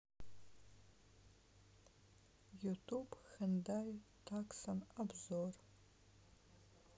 ютуб хендай таксон обзор